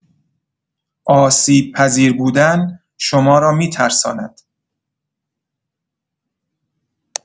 آسیب‌پذیر بودن، شما را می‌ترساند.